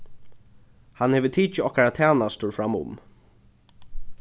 hann hevur tikið okkara tænastur framum